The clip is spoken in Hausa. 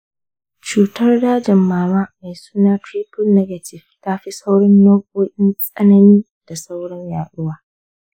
cutar dajin mama mai suna triple negative ta fi sauran nau’o’in tsanani da saurin yaduwa.